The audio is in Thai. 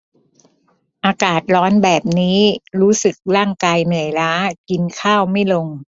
อากาศร้อนแบบนี้รู้สึกร่างกายเหนื่อยล้ากินข้าวไม่ลง